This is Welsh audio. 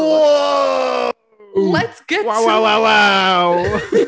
Woah.... Let's get to it. ...waw, waw waw!